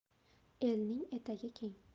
elning etagi keng